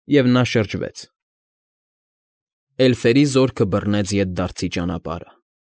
Եվ նա շրջվեց։ Էլֆերի զորքը բռնեց ետդարձի ճանապարհը։